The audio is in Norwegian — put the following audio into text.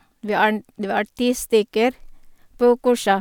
vi er n Det var ti stykker på kurset.